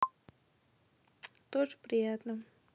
тоже приятно